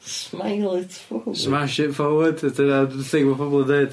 Smile it forward. Smash it forward. Dyna'r thing ma' pobl yn ddeud.